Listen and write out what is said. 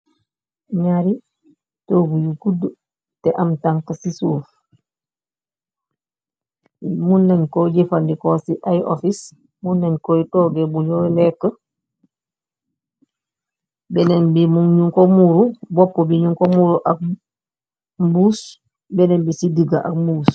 Naari toogu yu gudd, te am tank ci suuf mun nañ ko jëfandiko ci ay offices , mun nañ koy tooge bu ñu lekk, benen bi mu ñu ouurubopp bi ñu ko muuru akmbuus , benen bi ci digga ak mbuus.